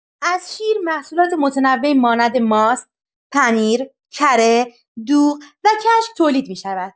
از شیر محصولات متنوعی مانند ماست، پنیر، کره، دوغ و کشک تولید می‌شود.